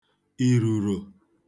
iruro